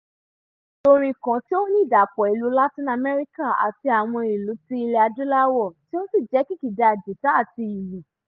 Oríṣi orin kan tí ó ní ìdàpọ̀ ìlù Latin America àti àwọn ìlù ti Ilẹ̀ Adúláwò, tí ó sì jẹ́ kìkìdá jìtá àti ìlù.